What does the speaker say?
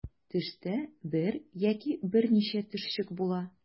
Төштә бер яки берничә төшчек була.